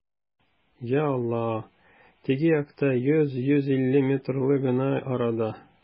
Йа Аллаһ, теге якта, йөз, йөз илле метрлы гына арада!